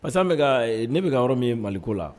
Parceque anw bi ka , ne bi ka yɔrɔ min ye Mali ko la